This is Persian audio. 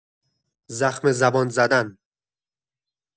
زخم‌زبان زدن